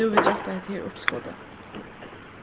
nú vit rætta hetta her uppskotið